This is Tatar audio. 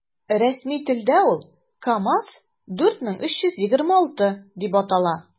Рәсми телдә ул “КамАЗ- 4326” дип атала.